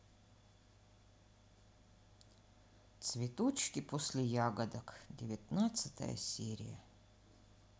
цветочки после ягодок девятнадцатая серия